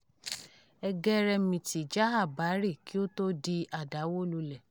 Ẹgẹrẹmìtì “Jahaj Bari” kí ó tó di àdàwólulẹ̀.